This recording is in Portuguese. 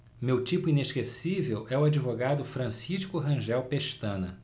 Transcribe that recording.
meu tipo inesquecível é o advogado francisco rangel pestana